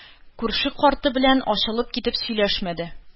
Күрше карты белән ачылып китеп сөйләшмәде,